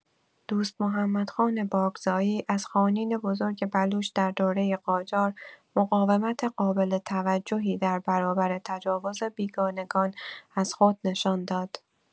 دوست‌محمدخان بارکزایی، از خوانین بزرگ بلوچ در دوران قاجار، مقاومت قابل توجهی در برابر تجاوز بیگانگان از خود نشان داد.